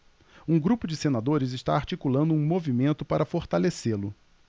um grupo de senadores está articulando um movimento para fortalecê-lo